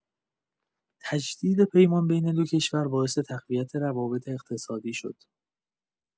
تجدید پیمان بین دو کشور باعث تقویت روابط اقتصادی شد.